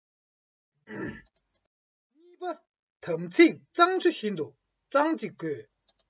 གཉིས པ དམ ཚིག གཙང ཆུ བཞིན དུ གཙང གཅིག དགོས